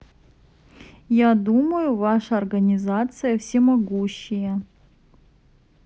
я думаю ваша организация всемогущие